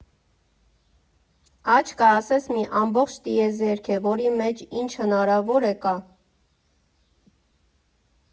Աչքը, ասես, մի ամբողջ տիեզերք է, որի մեջ ինչ հնարավոր է կա։